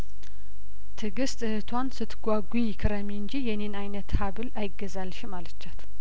ትግስት እህቷን ስትጓጉ ክረሚ እንጂ የኔን አይነት ሀብል አይገዛልሽም አለቻት